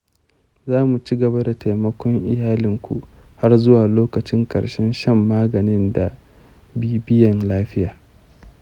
zamu cigaba da taimakon iyalinku har zuwa lokacin ƙarshen shan maganin da bibiyan lafiya